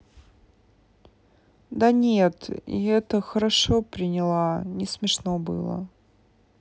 да нет и это хорошо приняла не смешно было